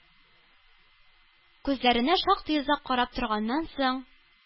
Күзләренә шактый озак карап торганнан соң,